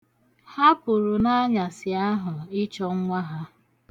Ha pụrụ n'anyasị ahụ ịchọ nwa ha.